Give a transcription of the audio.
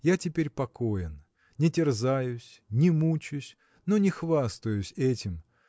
Я теперь покоен: не терзаюсь, не мучусь, но не хвастаюсь этим